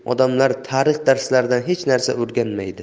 tarix darslaridan hech narsa o'rganmaydi